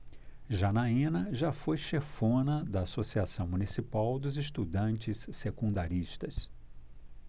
janaina foi chefona da ames associação municipal dos estudantes secundaristas